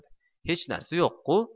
hech narsa yo'q ku